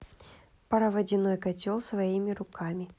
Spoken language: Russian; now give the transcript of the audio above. пароводяной котел своими руками